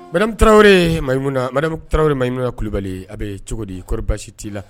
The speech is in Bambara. Madame Tarawele madame Tarawele Mayimuna Kulibali a bɛ cogo di kɔri basi t'i la?